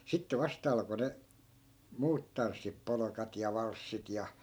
sitten vasta alkoi ne muut tanssit polkat ja valssit ja